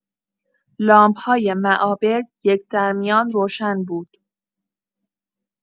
لامپ‌های معابر یک‌درمیان روشن بود.